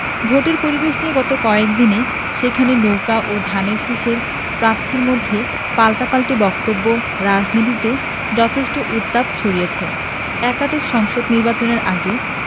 ভোটের পরিবেশ নিয়ে গত কয়েক দিনে সেখানে নৌকা ও ধানের শীষের প্রার্থীর মধ্যে পাল্টাপাল্টি বক্তব্য রাজনীতিতে যথেষ্ট উত্তাপ ছড়িয়েছে একাদশ সংসদ নির্বাচনের আগে